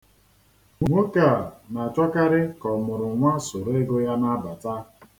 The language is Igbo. Nwoke a na-achọkarị ka ọmụrụnwa soro ego ya na-abata.